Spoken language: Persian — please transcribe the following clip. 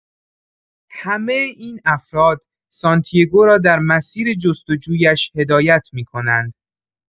همه این افراد، سانتیاگو را در مسیر جستجویش هدایت می‌کنند.